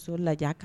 So